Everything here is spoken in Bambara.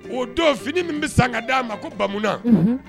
O don fini min bɛ san ka d di'a ma ko bamuna, unhun.